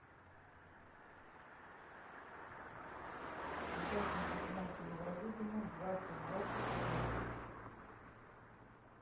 участник от мальты евровидение двадцать двадцать один